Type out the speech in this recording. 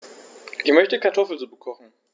Ich möchte Kartoffelsuppe kochen.